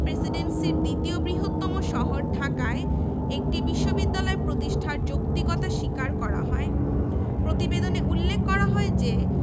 প্রেসিডেন্সির দ্বিতীয় বৃহত্তম শহর ঢাকায় একটি বিশ্ববিদ্যালয় প্রতিষ্ঠার যৌক্তিকতা স্বীকার করা হয় প্রতিবেদনে উল্লেখ করা হয় যে